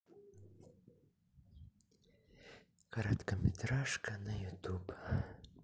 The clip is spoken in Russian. короткометражка на ютуб